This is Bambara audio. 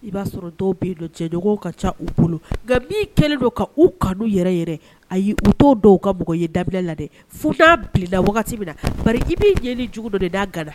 I b'a sɔrɔ dɔw be yennɔ cɛɲɔgɔnw ka ca u bolo nka miin kɛlen don ka u kanu yɛrɛ yɛrɛ ayi u t'o dɔw ka mɔgɔ ye dabila la dɛ fo n'aa bilenna wagati min na bari i b'i ɲɛ ni jugu dɔn de n'a ganna